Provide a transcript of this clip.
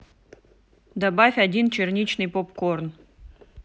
добавь один черничный попкорн